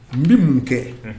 N bɛ mun kɛ